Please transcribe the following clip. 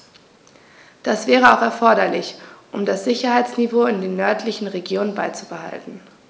Das wäre auch erforderlich, um das Sicherheitsniveau in den nördlichen Regionen beizubehalten.